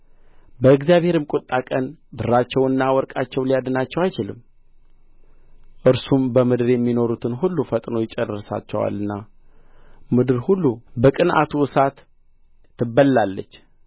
በእግዚአብሔርም ቍጣ ቀን ብራቸውና ወርቃቸው ሊያድናቸው አይችልም እርሱም በምድር የሚኖሩትን ሁሉ ፈጥኖ ይጨርሳቸዋልና ምድር ሁሉ በቅንዓቱ እሳት ትበላለች